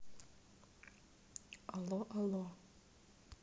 алло алло